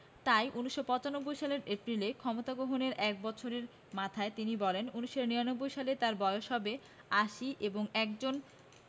তাই ১৯৯৫ সালের এপ্রিলে ক্ষমতা গ্রহণের এক বছরের মাথায় তিনি বলেন ১৯৯৯ সালে তাঁর বয়স হবে আশি এবং একজন